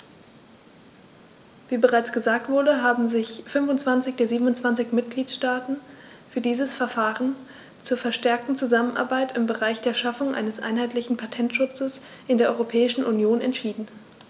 Wie bereits gesagt wurde, haben sich 25 der 27 Mitgliedstaaten für dieses Verfahren zur verstärkten Zusammenarbeit im Bereich der Schaffung eines einheitlichen Patentschutzes in der Europäischen Union entschieden.